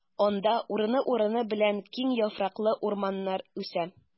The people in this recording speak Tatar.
Анда урыны-урыны белән киң яфраклы урманнар үсә.